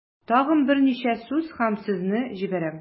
Тагын берничә сүз һәм сезне җибәрәм.